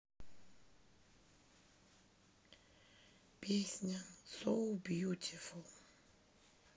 песня соу бьютифул